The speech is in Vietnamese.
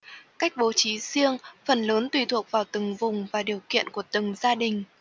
cách bố trí riêng phần lớn tùy thuộc vào từng vùng và điều kiện của từng gia đình